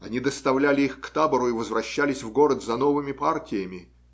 они доставляли их к табору и возвращались в город за новыми партиями.